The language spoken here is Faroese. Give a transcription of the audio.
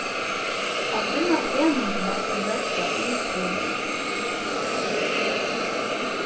at vinna pening mást tú leggja í pening